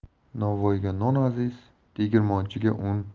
nonvoyga non aziz tegirmonchiga un